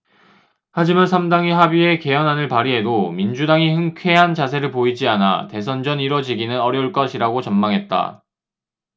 하지만 삼 당이 합의해 개헌안을 발의해도 민주당이 흔쾌한 자세를 보이지 않아 대선 전 이뤄지기는 어려울 것이라고 전망했다